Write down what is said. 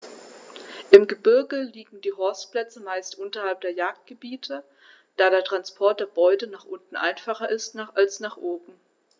Im Gebirge liegen die Horstplätze meist unterhalb der Jagdgebiete, da der Transport der Beute nach unten einfacher ist als nach oben.